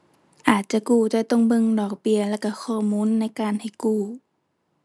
อาจจะกู้ แต่ต้องเบิ่งดอกเบี้ย แล้วก็ข้อมูลในการให้กู้